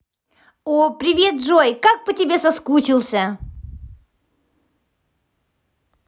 о привет джой так по тебе соскучился